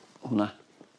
Hwnna.